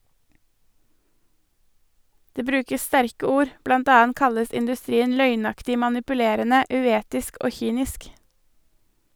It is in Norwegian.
Det brukes sterke ord , blant annet kalles industrien løgnaktig, manipulerende, uetisk og kynisk.